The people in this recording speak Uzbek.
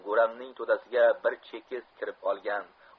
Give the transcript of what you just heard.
guramning to'dasiga bir chekist kirib olgan